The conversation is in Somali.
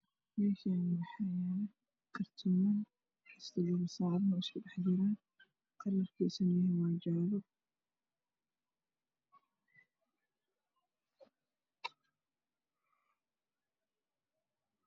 Meeshaani waxaa yaalo kartooman isku dhax jiraan kalarkisa jaale